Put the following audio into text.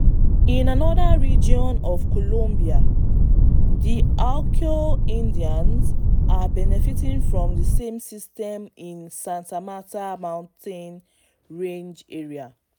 In another region of Colombia, the Arhuaco Indians are benefiting from the same system in the Santa Marta mountain range area.